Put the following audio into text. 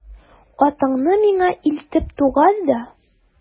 Атыңны миңа илтеп тугар да...